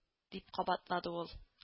— дип кабатлады ул